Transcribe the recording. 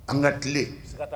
An ka tile